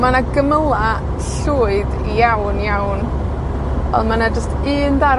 Ma' 'na gymyla llwyd iawn, iawn. On' ma' 'na jyst un darn